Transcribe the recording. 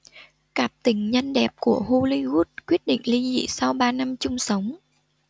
cặp tình nhân đẹp của hollywood quyết định ly dị sau ba năm chung sống